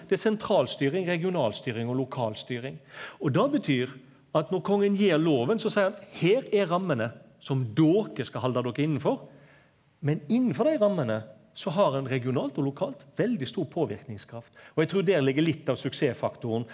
det er sentralstyring, regionalstyring og lokalstyring, og det betyr at når kongen gjev loven så seier han her er rammene som dokker skal halde dokker innanfor, men innanfor dei rammene så har ein regionalt og lokalt veldig stor påverkingskraft og eg trur der ligg litt av suksessfaktoren.